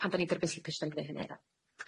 Pan 'dan ni'n derbyn slippage 'dan ni'n gneud hynny ia.